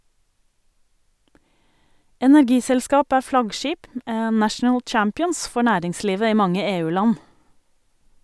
Energiselskap er flaggskip, «national champions», for næringslivet i mange EU-land.